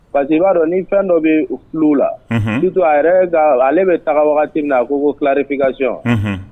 Parce que i b'a dɔn ni fɛn dɔ bɛ tulo la bitɔn to a yɛrɛ ga ale bɛ taga wagati min na ko ko fularifin ka sonɔn